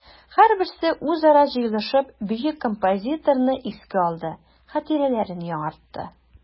Һәрберсе үзара җыелышып бөек композиторны искә алды, хатирәләрен яңартты.